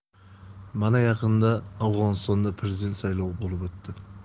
mana yaqinda afg'onistonda prezident saylovi bo'lib o'tdi